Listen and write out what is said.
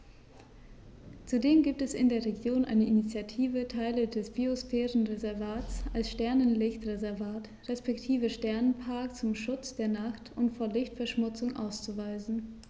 Zudem gibt es in der Region eine Initiative, Teile des Biosphärenreservats als Sternenlicht-Reservat respektive Sternenpark zum Schutz der Nacht und vor Lichtverschmutzung auszuweisen.